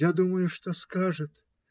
Я думаю, что скажет.